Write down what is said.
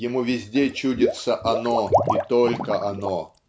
Ему везде чудится оно, и только оно.